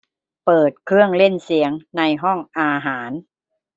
เปิดเครื่องเล่นเสียงในห้องอาหาร